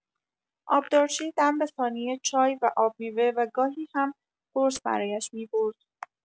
آبدارچی دم به ثانیه چای و آب‌میوه و گاهی هم قرص برایش می‌برد.